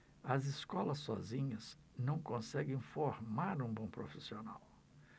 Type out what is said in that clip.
as escolas sozinhas não conseguem formar um bom profissional